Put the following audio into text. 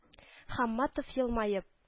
Хамматов, елмаеп: